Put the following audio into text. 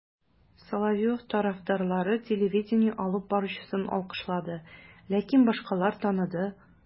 Соловьев тарафдарлары телевидение алып баручысын алкышлады, ләкин башкалар таныды: